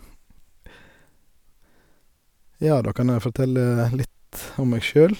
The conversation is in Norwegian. Ja, da kan jeg fortelle litt om meg sjøl.